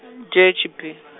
J H B .